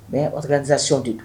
Mais organisation de don